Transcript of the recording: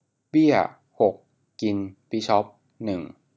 เบี้ยหกกินบิชอปหนึ่ง